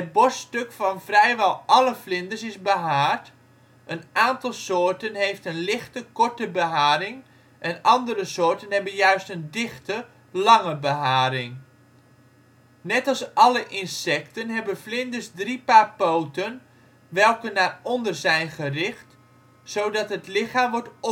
borststuk van vrijwel alle vlinders is behaard; een aantal soorten heeft een lichte, korte beharing en andere soorten hebben juist een dichte, lange beharing. Net als alle insecten hebben vlinders drie paar poten, welke naar onder zijn gericht zodat het lichaam